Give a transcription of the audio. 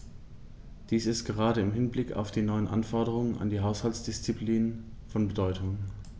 Dies ist gerade im Hinblick auf die neuen Anforderungen an die Haushaltsdisziplin von Bedeutung.